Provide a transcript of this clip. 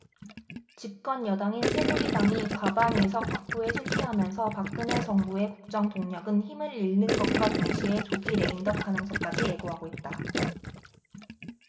집권여당인 새누리당이 과반의석 확보에 실패하면서 박근혜 정부의 국정 동력은 힘을 잃는 것과 동시에 조기 레임덕 가능성까지 예고하고 있다